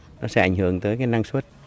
nó sẽ ảnh hưởng tới cái năng suất